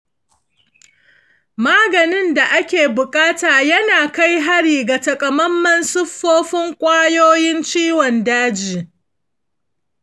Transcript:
maganin da ake bukata yana kai hari ga takamammen siffofin kwayoyin ciwon daji.